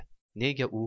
nega u